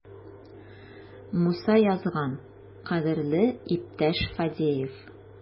Муса язган: "Кадерле иптәш Фадеев!"